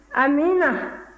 amiina